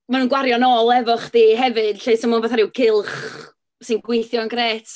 Maen nhw'n gwario'n ôl efo chdi hefyd 'lly, so mae o fatha ryw gylch sy'n gweithio'n grêt.